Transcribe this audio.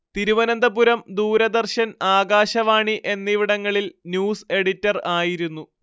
തിരുവനന്തപുരം ദൂരദർശൻ ആകാശവാണി എന്നിവിടങ്ങളിൽ news editor ആയിരുന്നു